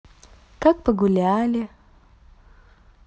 как погуляли